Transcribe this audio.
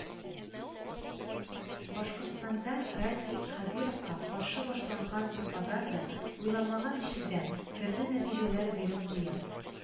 Башкортстанда Радий Хәбировка каршы башланган пропаганда, уйламаган җирдән, төрле нәтиҗәләр биреп куя